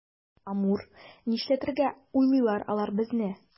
Амур, нишләтергә уйлыйлар алар безне?